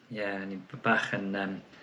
Ie o'n i b- bach yn yym